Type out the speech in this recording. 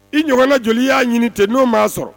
I ɲɔgɔnna joli y'a ɲini ten n'o ma sɔrɔ